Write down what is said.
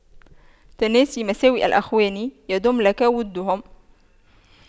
تناس مساوئ الإخوان يدم لك وُدُّهُمْ